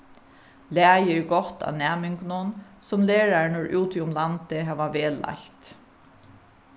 lagið er gott á næmingunum sum lærararnir úti um landið hava vegleitt